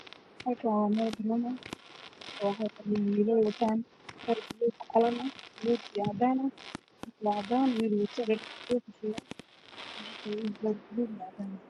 Meshan waa meel banan ah waxaa tagan wilal wataan dhar isbortiska